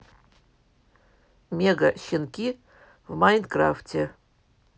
мега щенки в майнкрафте